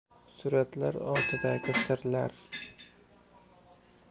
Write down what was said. suratlar ortidagi sirlar